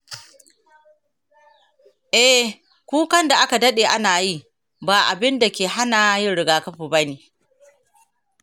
ee, kukan da aka daɗe ana yi ba abin da ke hana yin rigakafi ba ne.